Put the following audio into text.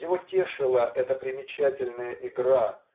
его тешила эта примечательная игра